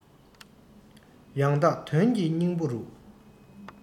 ཡང དག དོན གྱི སྙིང པོ རུ